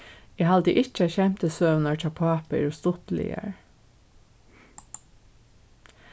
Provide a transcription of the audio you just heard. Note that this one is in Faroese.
eg haldi ikki at skemtisøgurnar hjá pápa eru stuttligar